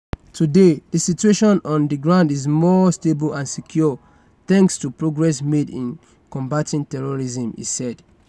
"Today the situation on the ground is more stable and secure thanks to progress made in combating terrorism," he said.